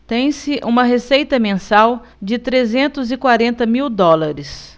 tem-se uma receita mensal de trezentos e quarenta mil dólares